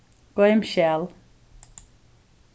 goym skjal